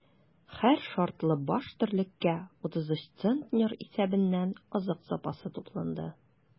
Һәр шартлы баш терлеккә 33 центнер исәбеннән азык запасы тупланды.